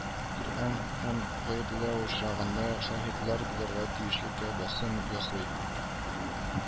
Коръән һәр гаепләү очрагында шаһитлар булырга тиешлеккә басым ясый